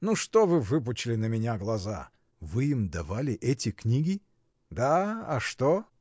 — Ну что вы выпучили на меня глаза? — Вы им давали эти книги? — Да, а что?